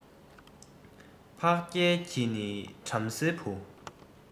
འཕགས རྒྱལ གྱི ནི བྲམ ཟེའི བུ